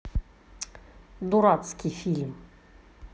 дурацкий фильм